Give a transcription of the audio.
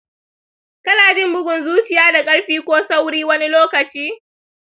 kana jin bugun zuciya da ƙarfi ko sauri wani lokaci?